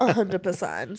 A hundred per cent.